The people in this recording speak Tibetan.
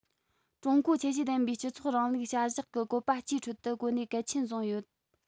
ཀྲུང གོའི ཁྱད ཆོས ལྡན པའི སྤྱི ཚོགས རིང ལུགས བྱ གཞག གི བཀོད པ སྤྱིའི ཁྲོད དུ གོ གནས གལ ཆེན བཟུང ཡོད